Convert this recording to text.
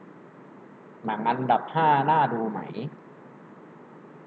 หนังอันดับห้าน่าดูไหม